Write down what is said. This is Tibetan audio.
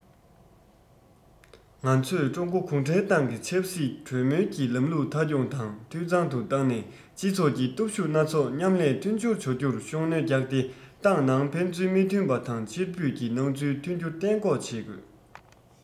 ང ཚོས ཀྲུང གོ གུང ཁྲན ཏང གིས ཆབ སྲིད གྲོས མོལ གྱི ལམ ལུགས མཐའ འཁྱོངས དང འཐུས ཚང དུ བཏང ནས སྤྱི ཚོགས ཀྱི སྟོབས ཤུགས སྣ ཚོགས མཉམ ལས མཐུན སྦྱོར བྱ རྒྱུར ཤུགས སྣོན བརྒྱབ སྟེ ཏང ནང ཕན ཚུན མི མཐུན པ དང ཕྱིར འབུད ཀྱི སྣང ཚུལ ཐོན རྒྱུ གཏན འགོག བྱེད དགོས